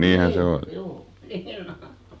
niin juu niin on